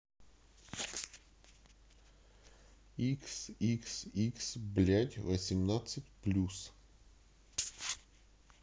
икс икс икс блядь восемнадцать плюс